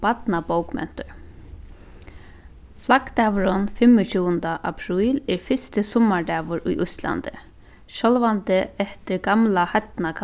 barnabókmentir flaggdagurin fimmogtjúgunda apríl er fyrsti summardagur í íslandi sjálvandi eftir gamla heidna